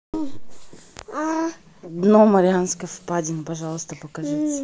дно марианской впадины пожалуйста покажите